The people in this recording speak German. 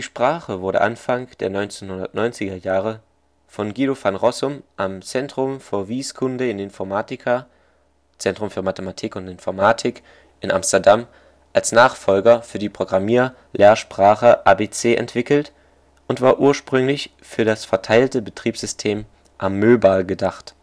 Sprache wurde Anfang der 1990er Jahre von Guido van Rossum am Centrum voor Wiskunde en Informatica (Zentrum für Mathematik und Informatik) in Amsterdam als Nachfolger für die Programmier-Lehrsprache ABC entwickelt und war ursprünglich für das verteilte Betriebssystem Amoeba gedacht